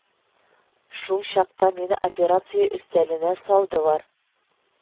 Шул чакта мине операция өстәленә салдылар